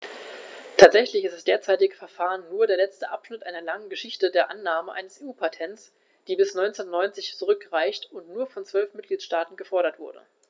Tatsächlich ist das derzeitige Verfahren nur der letzte Abschnitt einer langen Geschichte der Annahme eines EU-Patents, die bis 1990 zurückreicht und nur von zwölf Mitgliedstaaten gefordert wurde.